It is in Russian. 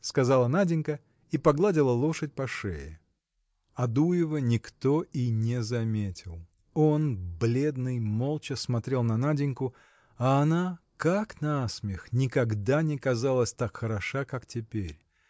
– сказала Наденька и погладила лошадь по шее. Адуева никто и не заметил. Он бледный молча смотрел на Наденьку а она как на смех никогда не казалась так хороша как теперь.